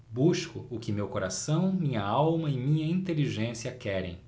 busco o que meu coração minha alma e minha inteligência querem